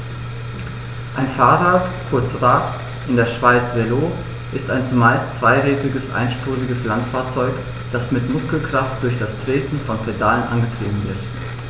Ein Fahrrad, kurz Rad, in der Schweiz Velo, ist ein zumeist zweirädriges einspuriges Landfahrzeug, das mit Muskelkraft durch das Treten von Pedalen angetrieben wird.